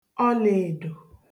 ọlēèdò